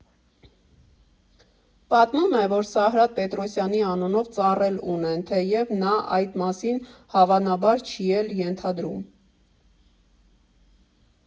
Պատմում է, որ Սարհատ Պետրոսյանի անունով ծառ էլ ունեն, թեև նա այդ մասին, հավանաբար, չի էլ ենթադրում։